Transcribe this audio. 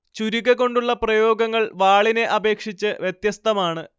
ചുരിക കൊണ്ടുള്ള പ്രയോഗങ്ങൾ വാളിനെ അപേക്ഷിച്ച് വ്യത്യസ്തമാണ്